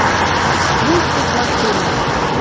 мультик машина